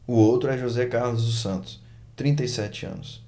o outro é josé carlos dos santos trinta e sete anos